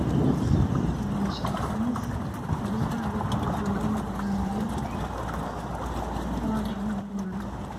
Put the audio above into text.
Waxa ay muuqday khamiis midabkiisu yahay madow oo qof gacan ku haya oo meel cadaan saaran